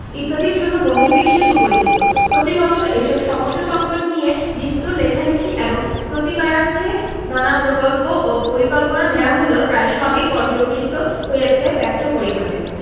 ইত্যাদির জন্য বহির্বিশ্বে সুপরিচিত প্রতিবছর এসব সমস্যা সঙ্কট নিয়ে বিস্তর লেখালেখি এবং প্রতিকারার্থে নানা প্রকল্প ও পরিকল্পনা নেয়া হলেও প্রায় সবই পর্যবসিত হয়েছে ব্যর্থ পরিণামে